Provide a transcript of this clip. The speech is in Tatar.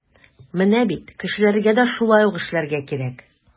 Менә бит кешеләргә дә шулай ук эшләргә кирәк.